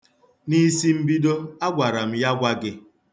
N'isimbido, agwara m ya gwa gị